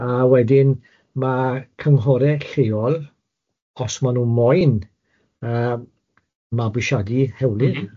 ...a wedyn ma' cynghore lleol, os maen nhw moyn yym mabwysiadu hewlydd...M-hm.